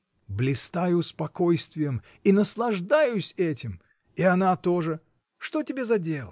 — Блистаю спокойствием и наслаждаюсь этим; и она тоже. Что тебе за дело?.